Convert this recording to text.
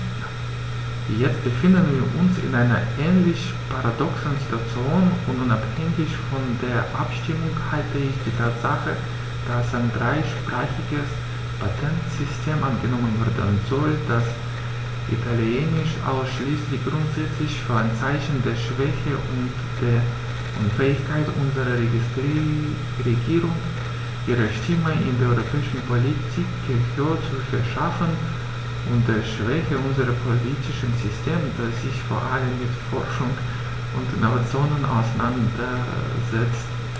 Jetzt befinden wir uns in einer ähnlich paradoxen Situation, und unabhängig von der Abstimmung halte ich die Tatsache, dass ein dreisprachiges Patentsystem angenommen werden soll, das Italienisch ausschließt, grundsätzlich für ein Zeichen der Schwäche und der Unfähigkeit unserer Regierung, ihrer Stimme in der europäischen Politik Gehör zu verschaffen, und der Schwäche unseres politischen Systems, das sich vor allem mit Forschung und Innovation auseinandersetzt.